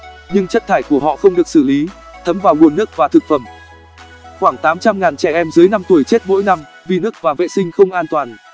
nhưng chất thải của họ không được xử lý thấm vào nguồn nước và thực phẩm khoảng trẻ em dưới tuổi chết mỗi năm vì nước và vệ sinh không an toàn